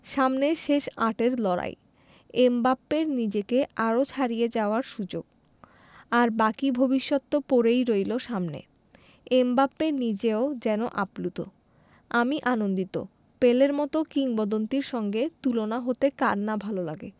সামনে শেষ আটের লড়াই এমবাপ্পের নিজেকে আরও ছাড়িয়ে যাওয়ার সুযোগ আর বাকি ভবিষ্যৎ তো পড়েই রইল সামনে এমবাপ্পে নিজেও যেন আপ্লুত আমি আনন্দিত পেলের মতো কিংবদন্তির সঙ্গে তুলনা হতে কার না ভালো লাগে